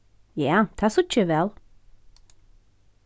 ja tað síggi eg væl